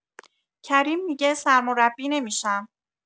کریم می‌گه سرمربی نمی‌شم